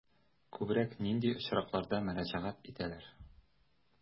Күбрәк нинди очракларда мөрәҗәгать итәләр?